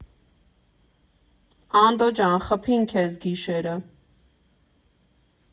Անդո ջան, խփին քեզ գիշերը։